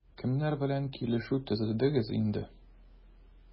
Кемнәр белән килешү төзедегез инде?